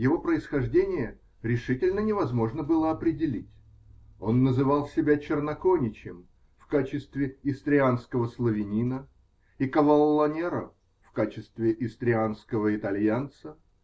Его происхождение решительно невозможно было определить: он называл себя Черноконичем, в качестве истрианского славянина, и Каваллонеро, в качестве истрианского итальянца